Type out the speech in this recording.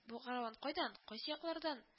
Бу кәрван кайдан, кайсы яклардан